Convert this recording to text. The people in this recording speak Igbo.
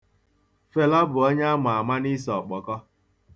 Fela bụkwazị onye ama ama n'ise ọkpọkọ.